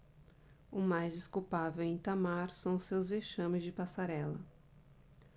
o mais desculpável em itamar são os seus vexames de passarela